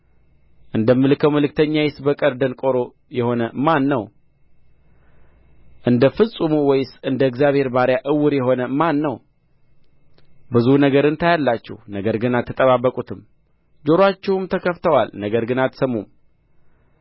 እንደምልከው መልእክተኛዬስ በቀር ደንቆሮ የሆነ ማን ነው እንደ ፍጹሙ ወይስ እንደ እግዚአብሔር ባሪያ ዕውር የሆነ ማን ነው ብዙ ነገርን ታያላችሁ ነገር ግን አትጠባበቁትም ጆሮአችሁም ተከፍተዋል ነገር ግን አትሰሙም